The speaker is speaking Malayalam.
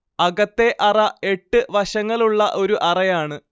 അകത്തെ അറ എട്ട് വശങ്ങളുള്ള ഒരു അറയാണ്